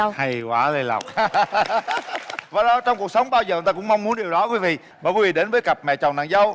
hay quá lê lộc và lo trong cuộc sống bao giờ ta cũng mong muốn điều đó quý vị mời quý vị đến với cặp mẹ chồng nàng dâu